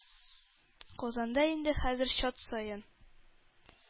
Казанда инде хәзер чат саен